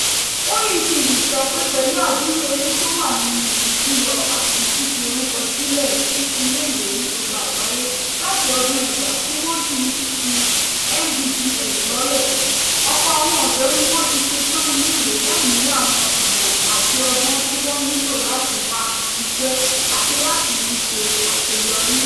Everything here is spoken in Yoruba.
OECD sọ pé, pẹ̀lú adúrú èrè tó wà nínú lílọ àti fífi orúkọ sílẹ̀ sí iléèwé ní gbogbo àgbáyé láti ọdún 2000 tí wọ́n ti fi MDGs lọ́lẹ̀, ọ̀pọ̀ àwọn ọ̀dọ́ ni wọ́n ń ṣetán iléèwé láì ní àwọn ìmọ̀ àti ọgbọ́n tí wọ́n nílò láti wá iṣẹ́ àti lári ṣe àṣeyọrí.